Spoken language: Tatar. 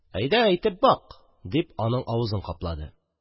Әйдә, әйтеп бак!.. – дип, аның авызын каплады.